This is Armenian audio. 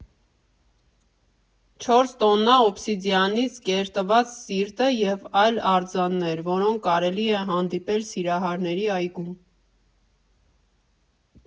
Չորս տոննա օբսիդիանից կերտված սիրտը և այլ արձաններ, որոնք կարելի է հանդիպել Սիրահարների այգում։